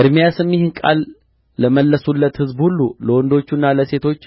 ኤርምያስም ይህን ቃል ለመለሱለት ሕዝብ ሁሉ ለወንዶቹና ለሴቶቹ